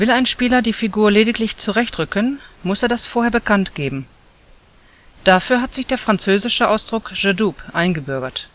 ein Spieler die Figur lediglich zurechtrücken, muss er das vorher bekanntgeben. Dafür hat sich der französische Ausdruck J’ adoube eingebürgert